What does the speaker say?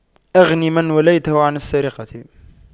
أغن من وليته عن السرقة